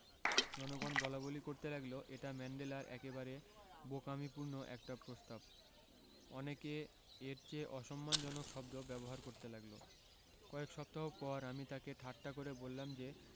জনগণ বলাবলি করতে লাগল এটা ম্যান্ডেলার একেবারে বোকা মিপূর্ণ একটা প্রস্তাব অনেকে এর চেয়ে অসম্মানজনক শব্দ ব্যবহার করতে লাগল কয়েক সপ্তাহ পর আমি তাঁকে ঠাট্টা করে বললাম যে